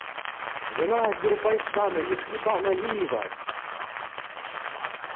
жена азербайджана мехрибан алиева